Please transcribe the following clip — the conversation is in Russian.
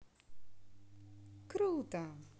круто